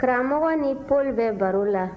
karamɔgɔ ni paul bɛ baro la